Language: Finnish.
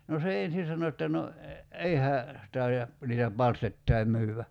no se ensin sanoi että no ei hän taida niitä palstoittain myydä